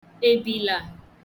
èbìlà